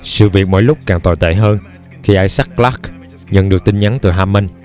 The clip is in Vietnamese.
sự việc mỗi lúc càng tồi tệ hơn khi isaac clarke nhận được tin nhắn từ hammond